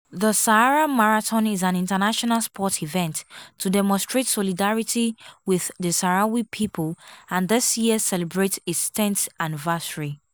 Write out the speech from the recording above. The Sahara Marathon is an international sport event to demonstrate solidarity with the Saharawi people and this year celebrates its tenth anniversary.